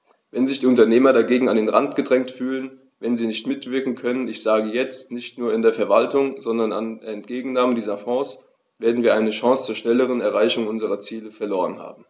Wenn sich die Unternehmer dagegen an den Rand gedrängt fühlen, wenn sie nicht mitwirken können ich sage jetzt, nicht nur an der Verwaltung, sondern an der Entgegennahme dieser Fonds , werden wir eine Chance zur schnelleren Erreichung unserer Ziele verloren haben.